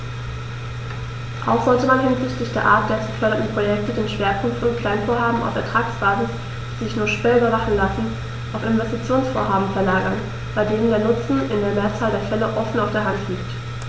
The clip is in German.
Auch sollte man hinsichtlich der Art der zu fördernden Projekte den Schwerpunkt von Kleinvorhaben auf Ertragsbasis, die sich nur schwer überwachen lassen, auf Investitionsvorhaben verlagern, bei denen der Nutzen in der Mehrzahl der Fälle offen auf der Hand liegt.